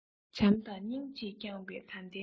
བྱམས དང སྙིང རྗེས བསྐྱང པས ད ལྟའི ང